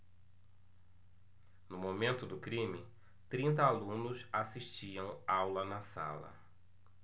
no momento do crime trinta alunos assistiam aula na sala